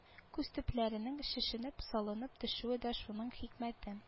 Күз төпләренең шешенеп-салынып төшүе дә шуның хикмәте